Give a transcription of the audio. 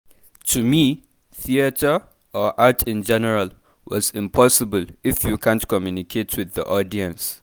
To me, theater, or art in general, was impossible if you can’t communicate with the audience.